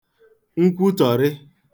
nkwutọ̀rị